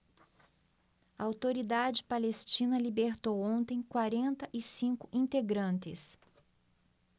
a autoridade palestina libertou ontem quarenta e cinco integrantes